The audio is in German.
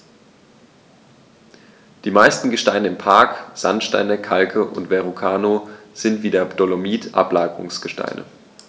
Die meisten Gesteine im Park – Sandsteine, Kalke und Verrucano – sind wie der Dolomit Ablagerungsgesteine.